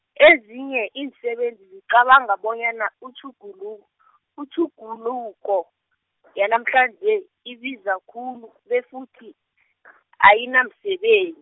ezinye iinsebenzi ziqabanga bonyana utjhugulu- , utjhuguluko, yanamhlanje, ibiza khulu befuthi , ayinamsebe-.